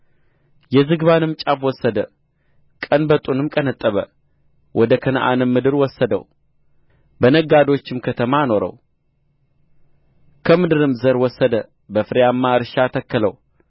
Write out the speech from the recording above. የዝግባንም ጫፍ ወሰደ ቀንበጡንም ቀነጠበ ወደ ከነዓንም ምድር ወሰደው በነጋዶችም ከተማ አኖረው ከምድርም ዘር ወሰደ በፍሬያማ እርሻ ተከለው